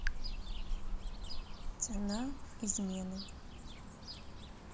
цена измены